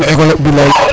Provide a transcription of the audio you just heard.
école bilaay